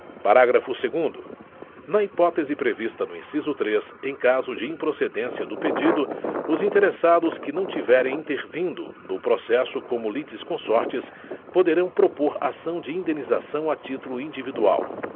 parágrafo segundo na hipótese prevista no inciso três em caso de improcedência do pedido os interessados que não tiverem intervindo no processo como litisconsortes poderão propor ação de indenização a título individual